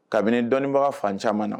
Kabini dɔnniibaga fan caman na